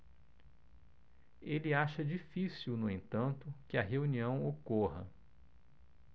ele acha difícil no entanto que a reunião ocorra